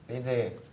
tin gì